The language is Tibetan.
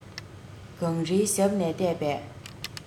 གངས རིའི ཞབས ནས ལྟས པས